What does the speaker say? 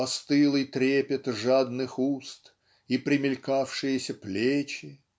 постылый трепет жадных уст и примелькавшиеся плечи"